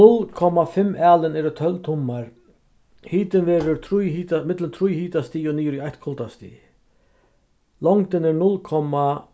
null komma fimm alin eru tólv tummar hitin verður trý hita millum trý hitastig og niður í eitt kuldastig longdin er null komma